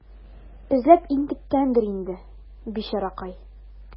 Эзләп интеккәндер инде, бичаракай.